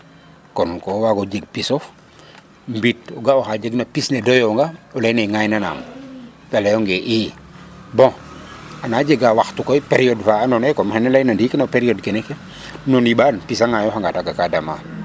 Kon ko waago jeg pisof mbit o ga' oxa jeg na pis ne doyoonga o lay ne ŋaaynanaam ta layonge i bon ana jegaa waxtu koy période fa andoona yee comme ke xene layna ndiiki no période kene ke no niɓaan pis a ŋaayoxanga taga ka damaa.